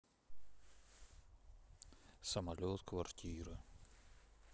самолет квартиры